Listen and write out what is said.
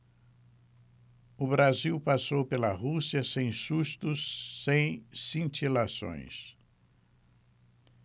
o brasil passou pela rússia sem sustos nem cintilações